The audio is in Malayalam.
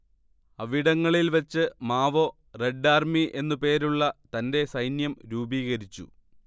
അവിടങ്ങളിൽ വെച്ച് മാവോ റെഡ് ആർമി എന്നു പേരുള്ള തന്റെ സൈന്യം രൂപീകരിച്ചു